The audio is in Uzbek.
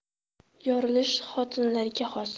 yorilish xotinlarga xos